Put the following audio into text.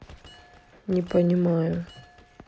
не понимаю